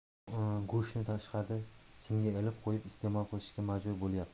go'shtni tashqarida simga ilib qo'yib iste'mol qilishga majbur bo'lyapmiz